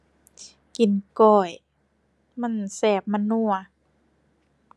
กินก้อย มันแซ่บ มันนัว